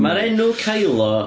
Mae'r enw Kylo...